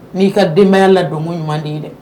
N'i'i ka denbayaya ladonmu ɲuman di ye dɛ